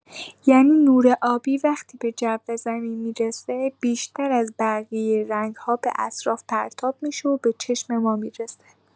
یعنی نور آبی وقتی به جو زمین می‌رسه، بیشتر از بقیه رنگ‌ها به اطراف پرتاب می‌شه و به چشم ما می‌رسه.